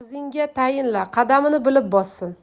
qizingga tayinla qadamini bilib bossin